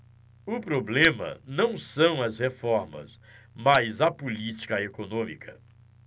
o problema não são as reformas mas a política econômica